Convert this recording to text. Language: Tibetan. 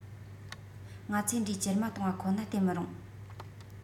ང ཚོའི འགྲོས ཇེ དམའ སྟོང བ ཁོ ན བརྟེན མི རུང